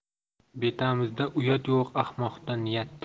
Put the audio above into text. betamizda uyat yo'q ahmoqda niyat